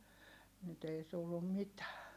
nyt ei tullut mitään